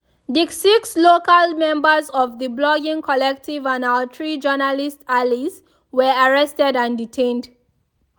The six local members of the blogging collective and our three journalist allies were arrested and detained.